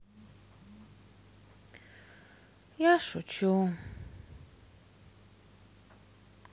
я шучу